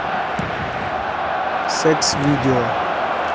секс видео